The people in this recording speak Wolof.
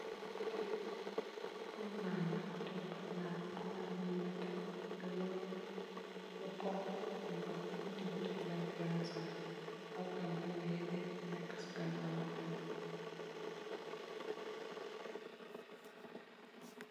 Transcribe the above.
Botali bi pul naan botali pul naan mongi ame lu netex lu bulu lu xonxu lu nuul neeti botal len fi ransale ak tam amna yenen yu neka si ganawam tamit.